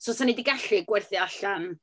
So, 'swn i 'di gallu gwerthu allan...